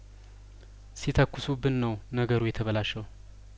ሲተኩሱብን ነው ነገሩ የተበላሸው